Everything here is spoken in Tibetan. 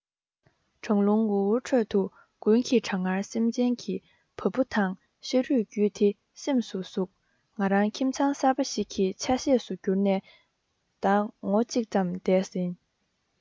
གྲང རླུང འུར འུར ཁྲོད དུ དགུན གྱི གྲང ངར སེམས ཅན གྱི བ སྤུ དང ཤ རུས བརྒྱུད དེ སེམས སུ ཟུག ང རང ཁྱིམ ཚང གསར པ ཞིག གི ཆ ཤས སུ གྱུར ནས ཟླ ངོ གཅིག ཙམ འདས ཟིན